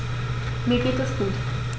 Mir geht es gut.